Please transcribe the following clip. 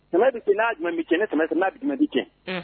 Kɛmɛ bɛ se n'a jumɛn bɛ cɛ ne kɛmɛ n' jumɛn bɛ cɛ